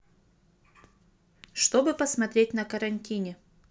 что бы посмотреть на карантине